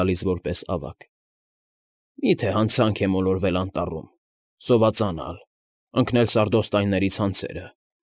Գալիս որպես ավագ։֊ Մի՞թե հանցանք է մոլորվել անտառում, սովածանալ, ընկնել սարդոստայնների ցանցերը։